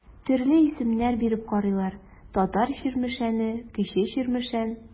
Төрле исемнәр биреп карыйлар: Татар Чирмешәне, Кече Чирмешән.